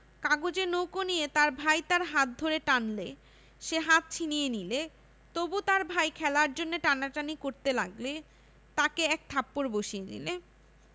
কাগজের নৌকো নিয়ে তার ভাই তার হাত ধরে টানলে সে হাত ছিনিয়ে নিলে তবু তার ভাই খেলার জন্যে টানাটানি করতে লাগলে তাকে এক থাপ্পড় বসিয়ে দিলে